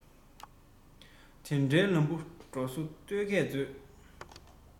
ཟག ན ཟག ཆོག རིལ ན རིལ ཆོག རེད